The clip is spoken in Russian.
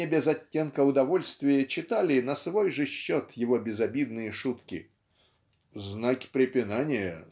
не без оттенка удовольствия читали на свой же счет его безобидные шутки "знаки препинания